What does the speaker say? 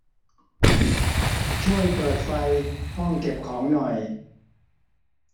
ช่วยเปิดไฟห้องเก็บของหน่อย